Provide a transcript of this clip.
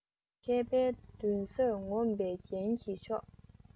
མཁས པའི མདུན སར ངོམས པའི རྒྱན གྱི མཆོག